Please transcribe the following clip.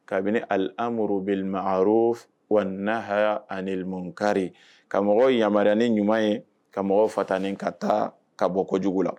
Kabini amadu wahaya animkariri ka mɔgɔw yamaruya ni ɲuman ye ka mɔgɔw fa tan ka taa ka bɔ kojugu la